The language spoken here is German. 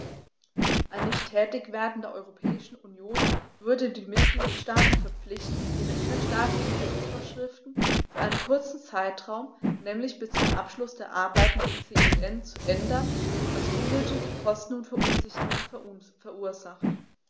Ein Nichttätigwerden der Europäischen Union würde die Mitgliedstaaten verpflichten, ihre innerstaatlichen Rechtsvorschriften für einen kurzen Zeitraum, nämlich bis zum Abschluss der Arbeiten des CEN, zu ändern, was unnötige Kosten und Verunsicherungen verursacht.